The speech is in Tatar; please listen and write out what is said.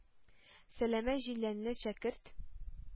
Сәләмә җиләнле шәкерт,